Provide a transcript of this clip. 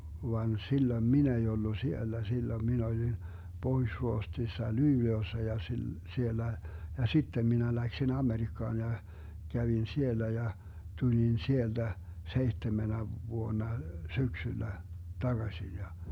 vaan silloin minä ei ollut siellä silloin minä olin Pohjois-Ruotsissa Luulajassa ja - siellä ja sitten minä lähdin Amerikkaan ja kävin siellä ja tulin sieltä seitsemänä vuonna syksyllä takaisin ja